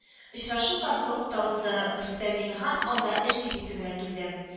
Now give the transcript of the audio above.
Очрашу Гонконгта узды, Рөстәм Миңнеханов анда эш визиты белән килде